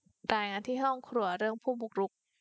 รายงานที่ห้องครัวเรื่องผู้บุกรุก